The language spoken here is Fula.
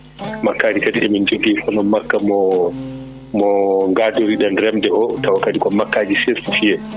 makkaji kadi emin jogui hono makka mo mo gadoriɗen remde o taw kadi ko makkaji certifié